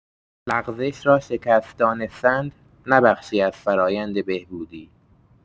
لغزش را شکست دانستن، نه بخشی از فرایند بهبودی